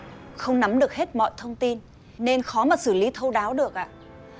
không nắm được hết mọi thông tin nên khó mà xử lý thấu đáo được ạ